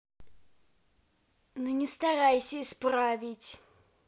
ну не старайся исправлять